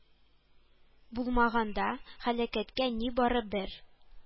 Булмаганда, һәлакәткә нибары бер